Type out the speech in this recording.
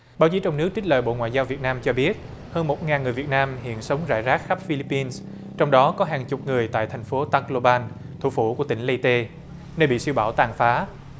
báo chí trong nước trích lời bộ ngoại giao việt nam cho biết hơn một ngàn người việt nam hiện sống rải rác khắp phi líp pin trong đó có hàng chục người tại thành phố ta cờ lô ban thủ phủ của tỉnh lê tê nơi bị siêu bão tàn phá